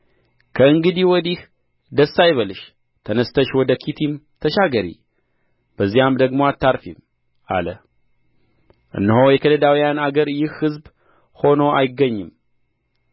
ከእንግዲህ ወዲህ ደስ አይበልሽ ተነሥተሽ ወደ ኪቲም ተሻገሪ በዚያም ደግሞ አታርፊም አለ እነሆ የከለዳውያን አገር ይህ ሕዝብ ሆኖ አይገኝም